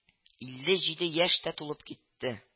Илле җиде яшь тә тулып китте